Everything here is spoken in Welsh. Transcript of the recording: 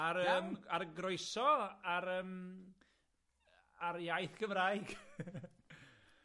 Ar yym... Iawn. ...ar y groeso, ar yym ar iaith Gymraeg.